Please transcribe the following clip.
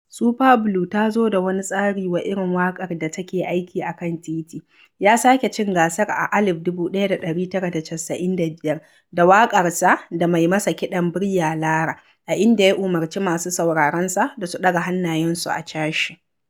Super Blue ta zo da wani tsari wa irin waƙar da take aiki a kan titi: ya sake cin gasar a 1995 da waƙarsa da mai masa kiɗa Brian Lara, a inda ya umarci masu sauraronsa da su "ɗaga hannayensu a cashe".